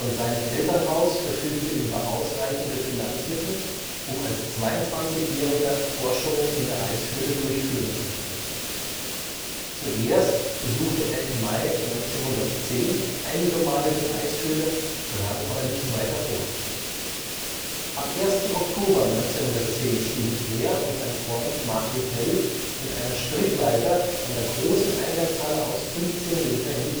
seinem Elternhaus verfügte er über ausreichende Finanzmittel, um als 22-Jähriger Forschungen in der Eishöhle durchführen zu können. Zuerst besuchte er im Mai 1910 einige Male die Eishöhle, drang aber nicht weiter vor. Am 1. Oktober 1910 stiegen er und sein Freund Martin Hell mit einer Strickleiter von der großen Eingangshalle aus 15 Meter in die